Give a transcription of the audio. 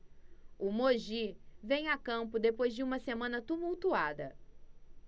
o mogi vem a campo depois de uma semana tumultuada